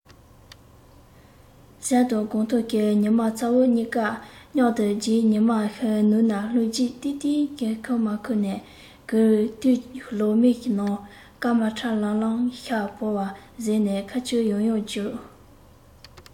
ཟས དང དགོང ཐོག གི ཉི མ ཚ བོ གཉིས ཀ མཉམ དུ བརྗེད ཉི མ ནུབ ན ལྷུང ལྗིད ཏིག ཏིག གི ཁུག མ ཁུར ནས གུར དུ ལོག མིག ནང སྐར མ ཁྲ ལམ ལམ ཤར ཕོ བ གཟེར ནས ཁ ཆུ ཡང ཡང བསྐྱུགས